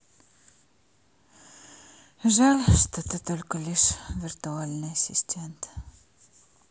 жаль что ты только лишь виртуальный ассистент